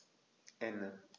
Ende.